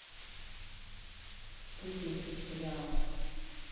спутники сериал